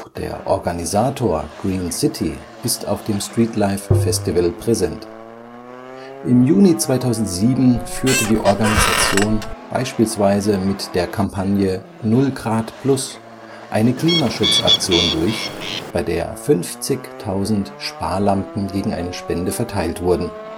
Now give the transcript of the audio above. der Organisator, Green City, ist auf dem Streetlife Festival präsent: Im Juni 2007 führte die Organisation beispielsweise mit der Kampagne Null Grad Plus eine Klimaschutz-Aktion durch, bei der 50.000 Sparlampen gegen eine Spende verteilt wurden